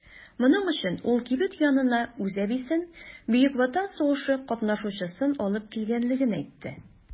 Моның өчен ул кибет янына үз әбисен - Бөек Ватан сугышы катнашучысын алып килгәнлеген әйтте.